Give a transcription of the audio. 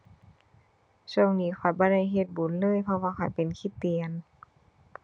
ช่วงนี้ข้อยบ่ได้เฮ็ดบุญเลย เพราะว่าข้อยเป็นคริสเตียน